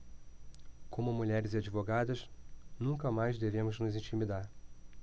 como mulheres e advogadas nunca mais devemos nos intimidar